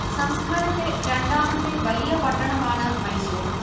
സംസ്ഥാനത്തെ രണ്ടാമത്തെ വലിയ പട്ടണമാണ് മൈസൂർ